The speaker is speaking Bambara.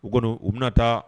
U kɔnɔ u bɛ bɛna taa